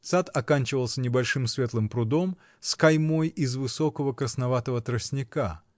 Сад оканчивался небольшим светлым прудом с каймой из высокого красноватого тростника.